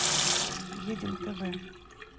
едим тв